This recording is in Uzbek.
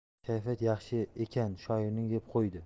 kayfiyati yaxshi ekan shoirning deb qo'ydi